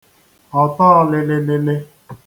ọtọlị̄lị̄lị̄